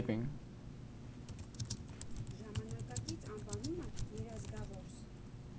Ժամանակակից անվանումը՝ Երազգավորս։